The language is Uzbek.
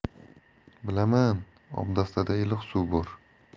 bilaman obdastada iliq suv bor